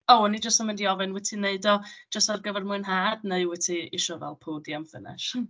O, o'n i jyst yn mynd i ofyn, wyt ti'n wneud o jyst ar gyfer mwynhad, neu wyt ti isio fel podium finish?